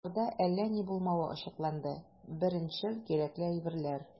Ахырда, әллә ни булмавы ачыкланды - беренчел кирәкле әйберләр.